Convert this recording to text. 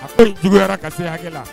A juguyayara ka se hakɛ la